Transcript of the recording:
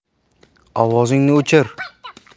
ovozingni o'chir